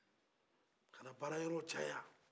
ka na baarayɔrɔw caya